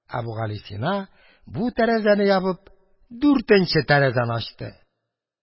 Әбүгалисина, бу тәрәзәне ябып, дүртенче тәрәзәне ачты.